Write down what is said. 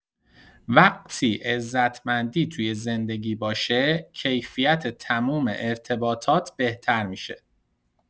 وقتی عزتمندی توی زندگی باشه، کیفیت تموم ارتباطات بهتر می‌شه.